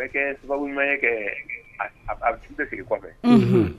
A bɛ kɛ sababu kɛ a bɛ siri kɔfɛ